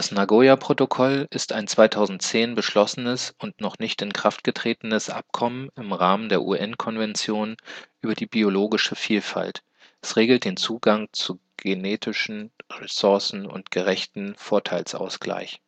Nagoya-Protokoll ist ein 2010 beschlossenes und noch nicht in Kraft getretenes Abkommen im Rahmen der UN-Konvention über biologische Vielfalt. Es regelt den Zugang zu genetischen Ressourcen und gerechten Vorteilsausgleich